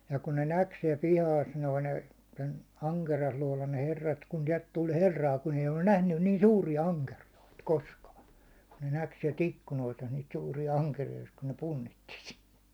ja kun ne näki siellä pihassa nuo ne sen ankeriaslootan ne herrat kun sieltä tuli herraa kun ei ollut nähnyt niin suuria ankeriaita koskaan kun ne näki sieltä ikkunoista niitä suuria ankeriaista kun ne punnitsi -